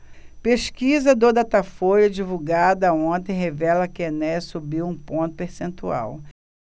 pesquisa do datafolha divulgada ontem revela que enéas subiu um ponto percentual